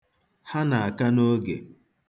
Ha na-aka n'oge.